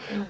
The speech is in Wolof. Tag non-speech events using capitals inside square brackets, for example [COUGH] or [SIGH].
[HESITATION]